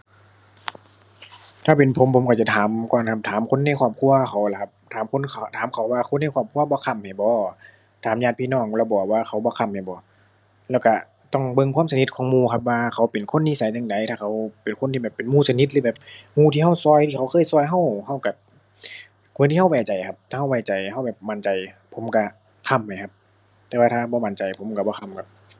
ถ้าเป็นผม ผมก็จะถามก่อนล่ะครับ ถามคนในครอบครัวเขาล่ะครับ ถามคนเขา ถามเขาว่าคนในครอบครัวบ่ค้ำให้บ่ ถามญาติพี่น้องแล้วบ่ว่าเขาบ่ค้ำให้บ่ แล้วก็ต้องเบิ่งความสนิทของหมู่ครับ ว่าเขาเป็นคนนิสัยจั่งใด ถ้าเขาเป็นคนที่แบบ เป็นหมู่สนิทที่แบบ หมู่ที่ก็ก็ ที่เขาเคยก็ก็ ก็ก็ คนที่ก็ไว้ใจอะครับ ถ้าก็ไว้ใจ ก็แบบมั่นใจ ผมก็ค้ำให้ครับ แต่ว่าถ้าบ่มั่นใจผมก็บ่ค้ำครับ